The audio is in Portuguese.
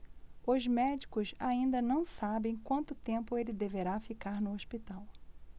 os médicos ainda não sabem quanto tempo ele deverá ficar no hospital